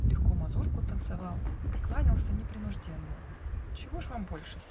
Легко мазурку танцевал И кланялся непринужденно Чего ж вам больше?